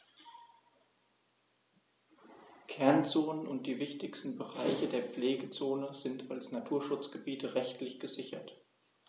Kernzonen und die wichtigsten Bereiche der Pflegezone sind als Naturschutzgebiete rechtlich gesichert.